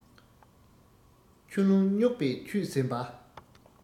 ཆུ ཀླུང རྙོག པས ཆུད གཟན པ